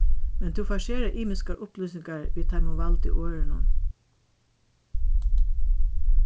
men tú fært sera ymiskar upplýsingar við teimum valdu orðunum